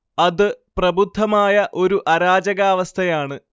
അത് പ്രബുദ്ധമായ ഒരു അരാജകാവസ്ഥയാണ്